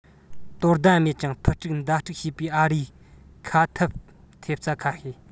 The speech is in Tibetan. དོ ཟླ མེད ཅིང ཕུ དཀྲུག མདའ དཀྲུག བྱེད པའི ཨ རིའི ཁ འཐབ ཐེབས རྩ ཁ ཤས